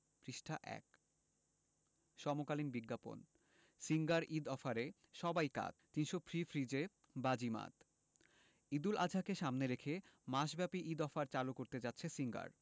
পৃষ্ঠা – ১ সমকালীন বিজ্ঞাপন সিঙ্গার ঈদ অফারে সবাই কাত ৩০০ ফ্রি ফ্রিজে বাজিমাত ঈদুল আজহাকে সামনে রেখে মাসব্যাপী ঈদ অফার চালু করতে যাচ্ছে সিঙ্গার